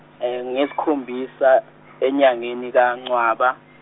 ngesikhombisa enyangeni kaNcwaba.